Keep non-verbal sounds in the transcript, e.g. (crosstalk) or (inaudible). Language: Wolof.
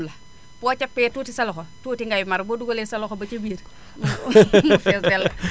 moom boolu lem la boo cappee tuuti sa loxo tuuti ngay mar boo dugalee sa loxo ba ca biirb (laughs) mu fees dell